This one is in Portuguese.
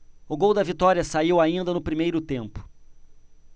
o gol da vitória saiu ainda no primeiro tempo